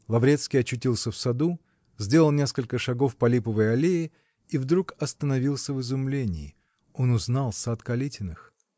Лаврецкий очутился в саду, сделал несколько шагов по липовой аллее и вдруг остановился в изумлении: он узнал сад Калитиных.